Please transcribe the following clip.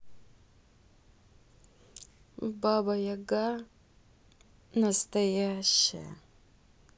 баба яга настоящая